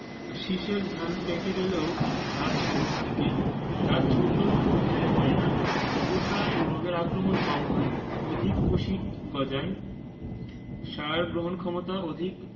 শীষের ধান পেকে গেলেও গাছ সবুজ থাকে গাছ খাটো ও হেলে পড়ে না পোকা ও রোগের আক্রমণ কম হয় অধিক কুশি গজায় সার গ্রহণক্ষমতা অধিক